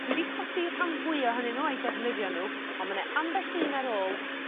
dwi 'di codi rhan fwya ohonyn n'w a'u defnyddio n'w on' ma' 'ne ambell un ar ôl